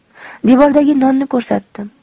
devordagi nonni ko'rsatdim